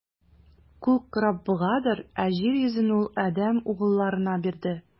Күк - Раббыгадыр, ә җир йөзен Ул адәм угылларына бирде.